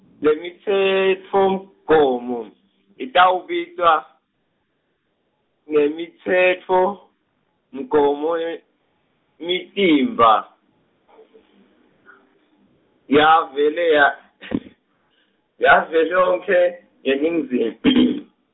Lemitsetfomgomo, itawubitwa, ngemitsetfomgomo yemi- -mitimba , yavele ya , yavelonkhe, yemazing- .